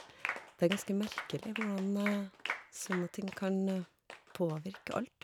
Det er ganske merkelig hvordan sånne ting kan påvirke alt.